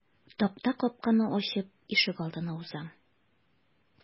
Такта капканы ачып ишегалдына узам.